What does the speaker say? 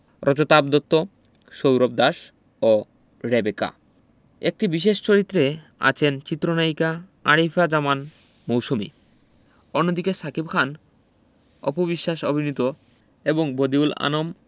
রজতাভ দত্ত সৌরভ দাস ও রেবেকা একটি বিশেষ চরিত্রে আছেন চিত্রনায়িকা আরিফা জামান মৌসুমী অন্যদিকে শাকিব খান অপু বিশ্বাস অভিনীত এবং বদিউল আনম